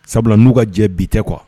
Sabula n'u ka jɛ bi tɛ kuwa